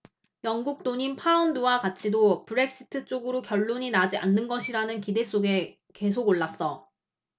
영국 돈인 파운드화 가치도 브렉시트 쪽으로 결론이 나지 않는 것이라는 기대 속에 계속 올랐어